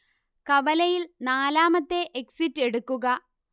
കവലയിൽ നാലാമത്തെ എക്സിറ്റ് എടുക്കുക